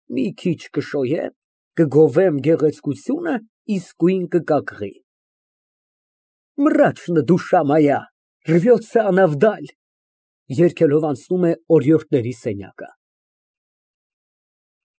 Մի քիչ կշոյեմ, կգովեմ գեղեցկությունը իսկույն կկակղի։ (Երգելով անցնում է օրիորդների սենյակը)